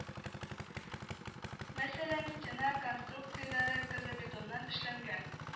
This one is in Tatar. Мәсәлән стена конструкцияләре газобетоннан эшләнгән